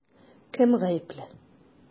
Кем гаепле?